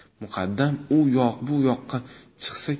muqaddam u yoq bu yoqqa chiqsa